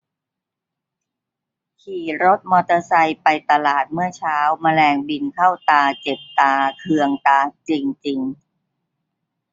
ขี่รถมอเตอร์ไซไปตลาดเมื่อเช้าแมลงบินเข้าตาเจ็บตาเคืองตาจริงจริง